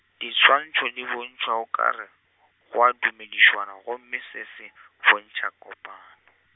diswantšho di bontšhwa o kgare, go a dumedišanwa gomme se se, bontšha kopano.